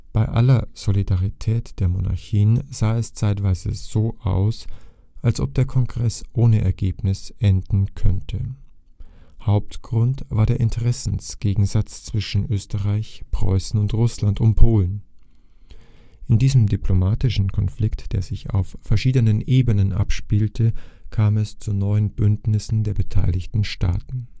Bei aller Solidarität der Monarchien sah es zeitweise so aus, als ob der Kongress ohne Ergebnis enden könnte. Hauptgrund war der Interessengegensatz zwischen Österreich, Preußen und Russland um Polen. In diesem diplomatischen Konflikt, der sich auf verschiedenen Ebenen abspielte, kam es zu neuen Bündnissen der beteiligten Staaten